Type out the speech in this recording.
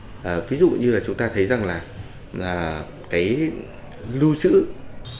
ví dụ như là chúng ta thấy rằng là là cái lưu trữ